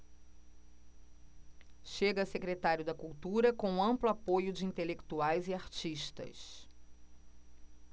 chega a secretário da cultura com amplo apoio de intelectuais e artistas